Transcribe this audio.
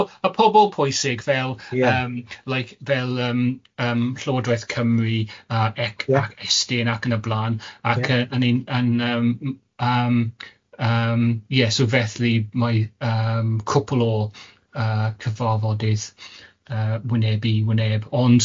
...y pobl pwysig fel.. Ia. ...yym like fel yym yym Llywodraeth Cymru ac ec ac Estyn ac yn y blaen ac yy oni'n yn yym yym yym ie so felly mae yym cwpwl o yy cyfarfodydd yy wyneb i wyneb, ond